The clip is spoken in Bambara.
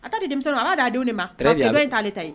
A ta di denmusomi ala d'a don de ma in taale ta ye